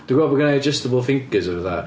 Dwi'n gwbod bod gynna hi adjustable fingers a pethau.